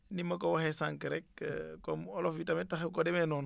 ni ma ko waxee sànq rek comme olof bi tamit taxu ko demee noonu